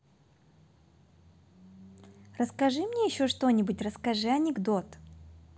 расскажи мне еще что нибудь расскажи анекдот